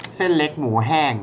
เส้นเล็กหมููแห้ง